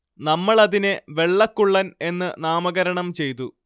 നമ്മളതിനെ വെള്ളക്കുള്ളൻ എന്ന് നാമകരണം ചെയ്തു